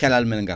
kelal mengal